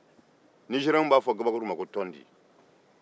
nizɛriyenw b'a fɔ kabakuru ma ko tɔndi